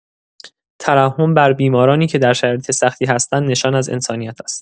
ترحم بر بیمارانی که در شرایط سختی هستند، نشان از انسانیت است.